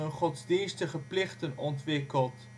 godsdienstige plichten ontwikkeld